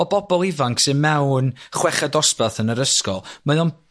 o bobol ifanc sy' mewn chweched dosbarth yn yr ysgol mae o'n